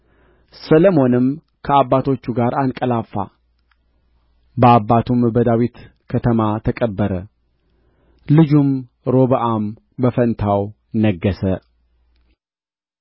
ሰሎሞንም ከአባቶቹ ጋር አንቀላፋ በአባቱም በዳዊት ከተማ ተቀበረ ልጁም ሮብዓም በፋንታው ነገሠ